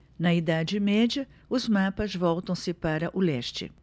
na idade média os mapas voltam-se para o leste